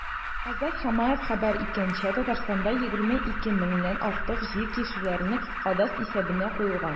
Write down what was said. Азат Хамаев хәбәр иткәнчә, Татарстанда 22 меңнән артык җир кишәрлеге кадастр исәбенә куелган.